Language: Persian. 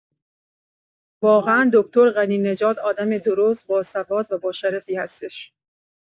واقعا دکتر غنی‌نژاد آدم درست، باسواد، و با شرفی هستش.